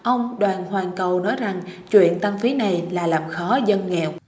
ông đoàn hoàng cầu nói rằng chuyện tăng phí này là làm khó dân nghèo